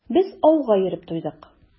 Без ауга йөреп туйдык.